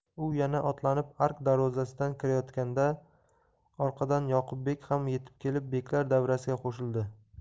u yana otlanib ark darvozasidan kirayotganda orqadan yoqubbek ham yetib kelib beklar davrasiga qo'shildi